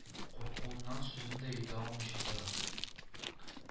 Куркуыннан сүзен дә әйтә алмыйча тора